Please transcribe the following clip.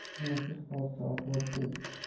ko'ngilsiz hodisa oqibatida ikki